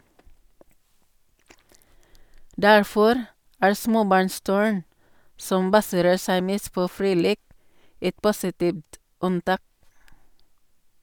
Derfor er småbarnsturn - som baserer seg mest på fri lek - et positivt unntak.